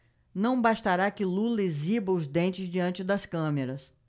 não bastará que lula exiba os dentes diante das câmeras